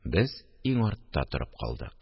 Без иң артта торып калдык